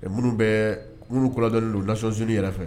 Minnu bɛ minnu kɔdɔ don lacon z yɛrɛ fɛ